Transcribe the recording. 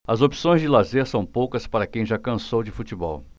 as opções de lazer são poucas para quem já cansou de futebol